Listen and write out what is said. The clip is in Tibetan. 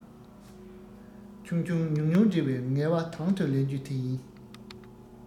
ཆུང ཆུང ཉུང ཉུང འབྲི བའི ངལ བ དང དུ ལེན རྒྱུ དེ ཡིན